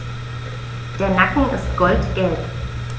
Der Nacken ist goldgelb.